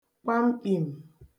kwamkpìm